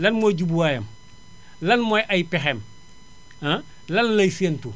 lan mooy jubuwaayam lan mooy ay pexeem lan lay séentu